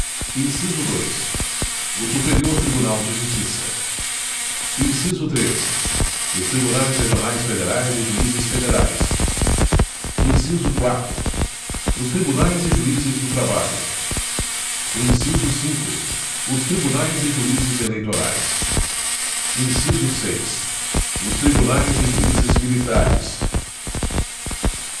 inciso dois o superior tribunal de justiça inciso três os tribunais regionais federais e juízes federais inciso quatro os tribunais e juízes do trabalho inciso cinco os tribunais e juízes eleitorais inciso seis os tribunais e juízes militares